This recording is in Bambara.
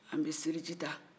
an bɛ seli jita